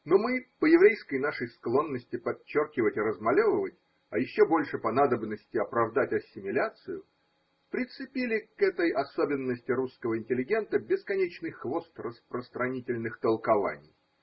Но мы, по еврейской нашей склонности подчеркивать и размалевывать, а еще больше по надобности оправдать ассимиляцию, прицепили к этой особенности русского интеллигента бесконечный хвост распространительных толкований.